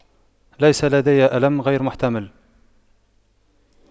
ليس لدي ألم غير محتمل